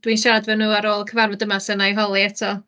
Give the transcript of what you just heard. dwi'n siarad efo nhw ar ôl y cyfarfod yma so wna i holi eto